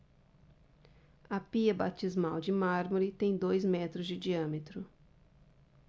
a pia batismal de mármore tem dois metros de diâmetro